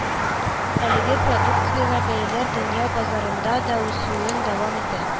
Әлеге продукциягә бәяләр дөнья базарында да үсүен дәвам итә